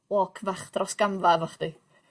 walk fach dros gamfa efo chdi.